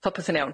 Popeth yn iawn.